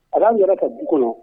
A nana ka du kɔnɔ